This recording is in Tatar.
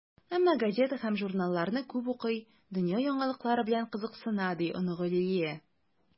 Әмма газета һәм журналларны күп укый, дөнья яңалыклары белән кызыксына, - ди оныгы Лилия.